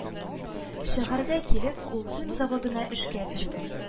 Шәһәргә килеп, ул күн заводына эшкә керде